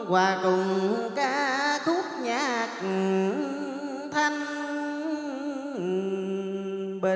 hòa cùng ca khúc nhạc thanh bình